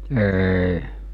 ei